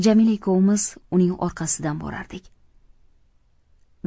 jamila ikkovimiz uning orqasidan borardik